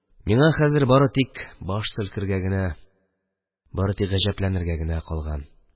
Миңа хәзер бары тик баш селкергә генә, бары тик гаҗәпләнергә генә калган.